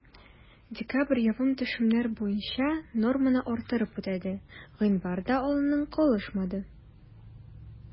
Декабрь явым-төшемнәр буенча норманы арттырып үтәде, гыйнвар да аннан калышмады.